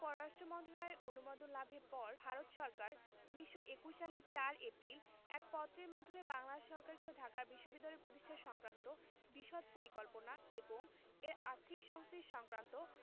পররাষ্ট্র মন্ত্রণালয়ের অনুমোদন লাভের পর ভারত সরকার ১৯২১ সালের ৪ এপ্রিল এক পত্রের মাধ্যমে বাংলা সরকারকে ঢাকায় বিশ্ববিদ্যালয় প্রতিষ্ঠা সংক্রান্ত বিশদ পরিকল্পনা এবং এর আর্থিক সংশ্লেষ সংক্রান্ত